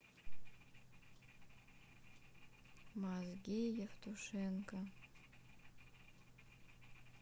мозги евтушенко